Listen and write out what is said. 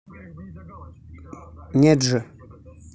нет же